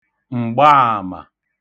m̀gbaàmà